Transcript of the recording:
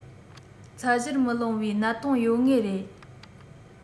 ཚད གཞིར མི ལོངས པའི གནད དོན ཡོད ངེས རེད